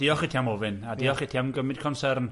Diolch i ti am ofyn, a diolch i ti am gymryd concern.